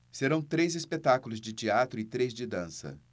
serão três espetáculos de teatro e três de dança